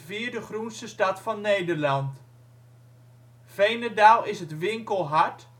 van Nederland. Veenendaal is het winkelhart